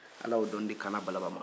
ala y'o dɔnni di kaana balaba ma